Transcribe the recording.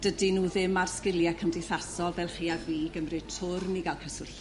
Dydyn nhw ddim a'r sgiliau cymdeithasol fel chi a fi i gymryd twrn i ga'l cyswllt